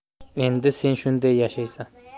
endi sen shunday yashaysan